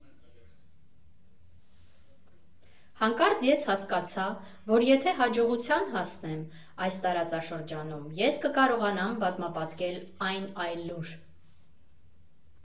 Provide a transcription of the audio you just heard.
Հանկարծ ես հասկացա, որ եթե հաջողության հասնեմ այս տարածաշրջանում, ես կկարողանամ բազմապատկել այն այլուր։